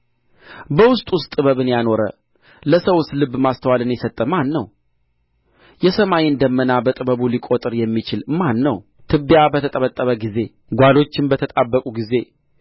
በውስጡስ ጥበብን ያኖረ ለሰውስ ልብ ማስተዋልን የሰጠ ማን ነው የሰማይን ደመና በጥበቡ ሊቈጥር የሚችል ማን ነው ትቢያ በተበጠበጠ ጊዜ ጓሎቹም በተጣበቁ ጊዜ